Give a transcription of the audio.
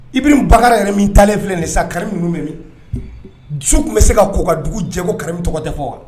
I bɛ ba yɛrɛ min talen filɛ nin sa kari minnu minɛ su tun bɛ se ka k'u ka dugu jɛko karimi tɔgɔ tɛ fɔ wa